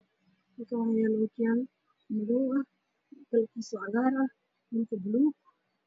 Waa sawir xayeysiis ah oo yaallo madow ah indhihiisa yihiin dhalo